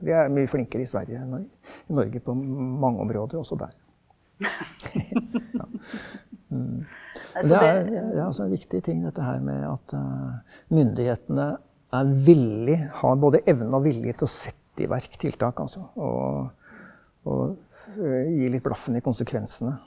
de er mye flinkere i Sverige enn i i Norge på mange områder, også der ja , og det er er altså en viktig ting dette her med at myndighetene er villig har både evne og vilje til å sette i verk tiltak altså og og gi litt blaffen i konsekvensene.